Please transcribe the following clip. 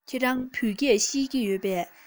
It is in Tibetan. ཁྱེད རང བོད སྐད ཤེས ཀྱི ཡོད པས